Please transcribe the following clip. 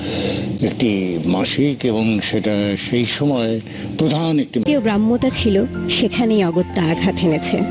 একটি মাসিক এবং সেটা সেই সময়ে প্রধান একটা মাসিক যেখানে গ্রাম্যতা ছিল সেখানেই অগত্যা আঘাত হেনেছে